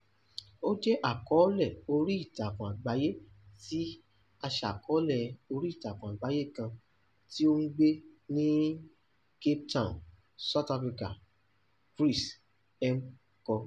Ó jẹ́ àkọọ́lẹ̀ oríìtakùn àgbáyé tí aṣàkọọ́lẹ̀ oríìtakùn àgbáyé kan tí ó ń gbé ní Cape Town, South Africa, Chris M. kọ.